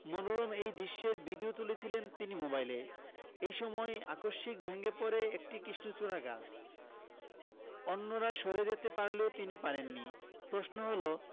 মনোরম সেই দৃশ্যের ভিডিও তুলছিলেন তিনি মোবাইলে এ সময় আকস্মিক ভেঙ্গে পড়ে একটি কৃষ্ণচূড়া গাছ অন্যরা সরে যেতে পারলেও তিনি পারেননি প্রশ্ন হলো